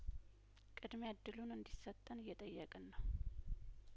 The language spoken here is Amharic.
ቅድሚያ እድሉን እንዲ ሰጠን እየጠየቅን ነው